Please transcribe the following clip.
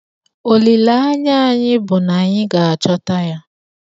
Olilaanya anyị bụ na anyị ga-achọta ya.